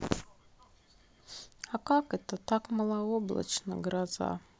а как это так малооблачно гроза